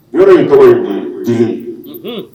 Yɔrɔ in kɔrɔ ye d